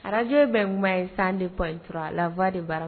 radio ye bɛnkuma ye 102 point 3 la voix de baramu